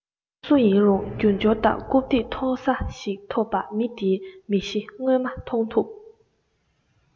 མི སུ ཡིན རུང རྒྱུ འབྱོར དང རྐུབ སྟེགས མཐོ ས ཞིག ཐོབ པ མི དེའི མི གཞི དངོས མ མཐོང ཐུབ